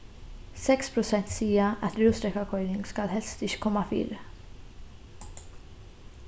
seks prosent siga at rúsdrekkakoyring skal helst ikki koma fyri